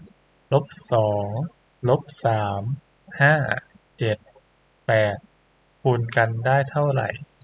ลบสองลบสามห้าเจ็ดแปดคูณกันได้เท่าไหร่